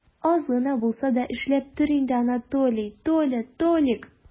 Аз гына булса да эшләп тор инде, Анатолий, Толя, Толик!